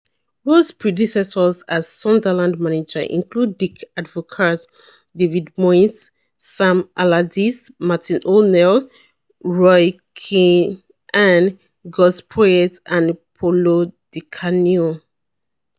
Ross's predecessors as Sunderland manager include Dick Advocaat, David Moyes, Sam Allardyce, Martin O'Neill, Roy Keane, Gus Poyet and Paulo Di Canio.